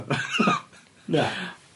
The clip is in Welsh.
Na.